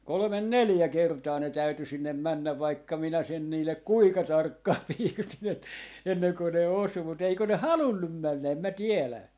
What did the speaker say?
kolme neljä kertaa ne täytyi sinne mennä vaikka minä sen niille kuinka tarkkaan piirsin - ennen kuin ne osui mutta eikö ne halunnut mennä en minä tiedä